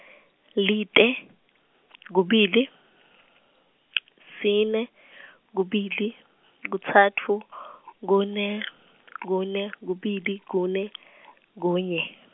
lite kubili sine kubili kutsatfu kune kune kubili kune kunye.